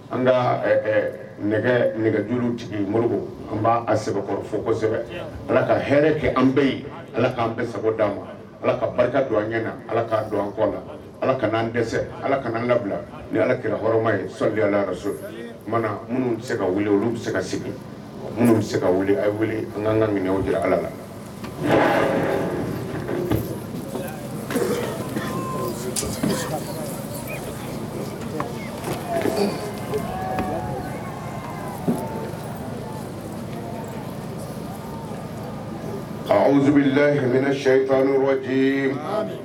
An ka nɛgɛjw mori an b' fosɛbɛ ala ka h kɛ an bɛɛ yen ala k'an bɛ sago' ma ala ka barika don an ɲɛ na ala k'a an kɔ la ala ka'an dɛsɛ ala ka anbila ni ala kirakɔrɔma ye soyala so minnu bɛ se ka olu bɛ se ka segin minnu bɛ se ka a an'an ka minɛw jira ala la an sɛ